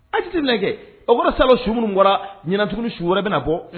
A jate minjɛɛ, o kɔrɔ ye salo su minnu bɔra, su wɛrɛ bɛna na bɔ